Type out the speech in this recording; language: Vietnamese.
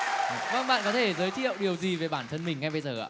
vâng bạn có thể giới thiệu điều gì về bản thân mình ngay bây giờ ạ